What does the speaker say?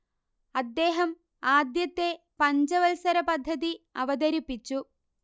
അദ്ദേഹം ആ ദ്യത്തെ പഞ്ചവത്സര പദ്ധതി അവതരിപ്പിച്ചു